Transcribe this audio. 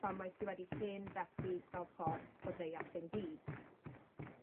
Fframwaith sy wedi hen fethu fel ffordd o ddeall ein byd.